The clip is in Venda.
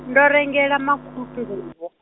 ndo rengela makhu- nguvho.